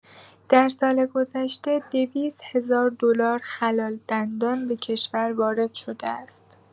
در سال‌گذشته ۲۰۰ هزار دلار خلال دندان به کشور وارد شده است!